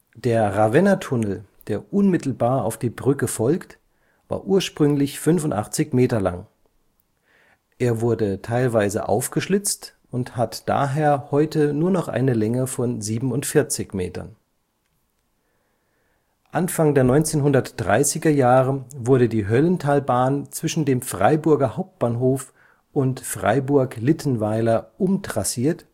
Der Ravennatunnel, der unmittelbar auf die Brücke folgt, war ursprünglich 85 Meter lang. Er wurde teilweise aufgeschlitzt und hat daher heute nur noch eine Länge von 47 Metern. Ehemaliges Bahnwärterhaus an der Ecke Lorettostraße/Goethestraße Anfang der 1930er Jahre wurde die Höllentalbahn zwischen dem Freiburger Hauptbahnhof und Freiburg-Littenweiler umtrassiert